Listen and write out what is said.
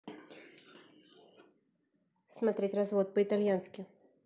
смотреть развод по итальянски